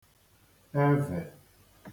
evè